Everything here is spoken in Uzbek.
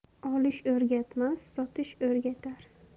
olish o'rgatmas sotish o'rgatar